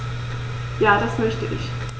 Ja, das möchte ich.